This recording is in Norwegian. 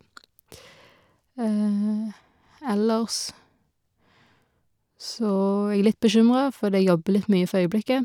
Ellers så er jeg litt bekymra, fordi jeg jobber litt mye for øyeblikket.